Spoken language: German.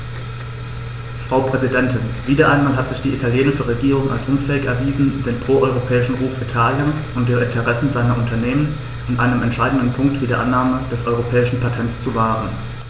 Frau Präsidentin, wieder einmal hat sich die italienische Regierung als unfähig erwiesen, den pro-europäischen Ruf Italiens und die Interessen seiner Unternehmen an einem entscheidenden Punkt wie der Annahme des europäischen Patents zu wahren.